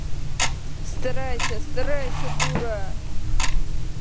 старайся старайся дура